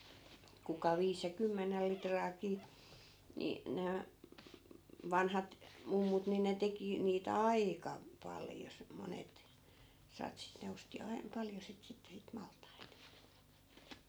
kuka viisi ja kymmenen litraakin niin nämä vanhat mummut niin ne teki niitä aika paljon - monet satsit ne osti aina paljon sitä sitten sitä maltaita